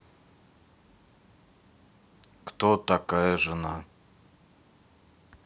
кто такая жена